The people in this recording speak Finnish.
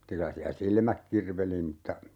mutta kyllä siellä silmät kirveli mutta